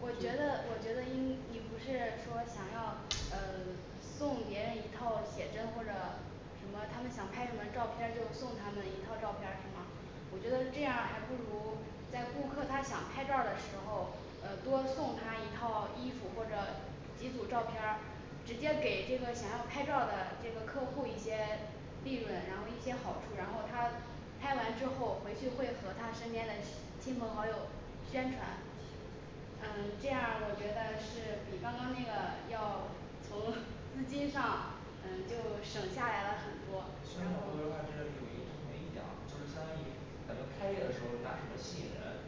我觉得是就我觉得你你不是说想要嗯送别人一套写真或者什么，他们想拍什么照片儿就送他们一块照片儿是吗我觉得这样儿还不如在顾客他想拍照儿的时候呃多送他一套衣服或者几组照片儿直接给这个想要拍照儿的这个客户一些利润，然后一些好处，然后他拍完之后回去会和他身边的亲亲朋好友宣传嗯这样儿我觉得是比刚刚那个要从资金上嗯就省下来了很多宣然传后部的话这儿有一个不同意见啊就相当于咱们开业的时候儿拿什么吸引人